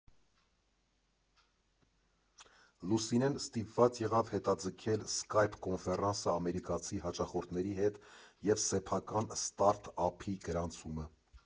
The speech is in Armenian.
Լուսինեն ստիպված եղավ հետաձգել սկայպ֊կոնֆերանսը ամերիկացի հաճախորդների հետ և սեփական ստարտ֊ափի գրանցումը։